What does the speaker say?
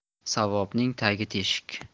savobning tagi teshik